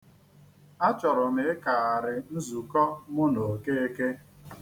Achọrọ m ka ịkagharị nzụko mụ na Okeke.